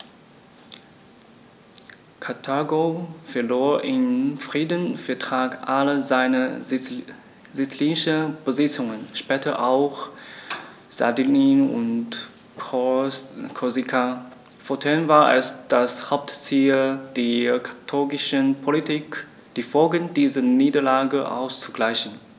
Karthago verlor im Friedensvertrag alle seine sizilischen Besitzungen (später auch Sardinien und Korsika); fortan war es das Hauptziel der karthagischen Politik, die Folgen dieser Niederlage auszugleichen.